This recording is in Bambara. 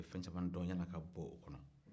aw bɛ fɛn caman dɔn yann'aw ka b'o kɔnɔ